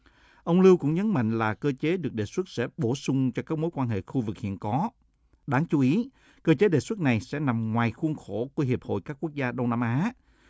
ông lưu cũng nhấn mạnh là cơ chế được đề xuất sẽ bổ sung cho các mối quan hệ khu vực hiện có đáng chú ý cơ chế đề xuất này sẽ nằm ngoài khuôn khổ của hiệp hội các quốc gia đông nam á